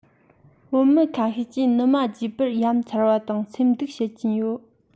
བུད མེད ཁ ཤས ཀྱིས ནུ མ རྒྱས པར ཡ མཚར བ དང སེམས སྡུག བྱེད ཀྱིན ཡོད